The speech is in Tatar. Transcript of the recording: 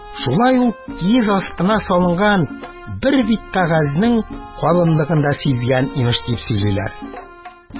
Шулай ул киез астына салынган бер бит кәгазьнең калынлыгын да сизгән, имеш, дип сөйлиләр.